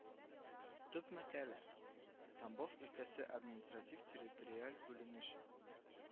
Төп мәкалә: Тамбов өлкәсе административ-территориаль бүленеше